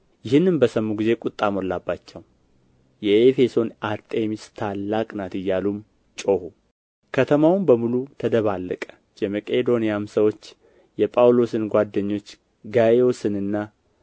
ይህንም በሰሙ ጊዜ ቍጣ ሞላባቸው የኤፌሶን አርጤምስ ታላቅ ናት እያሉም ጮኹ ከተማውም በሙሉው ተደባለቀ የመቄዶንያም ሰዎች የጳውሎስን ጓደኞች ጋይዮስንና